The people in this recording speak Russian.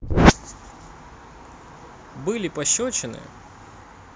были пошечины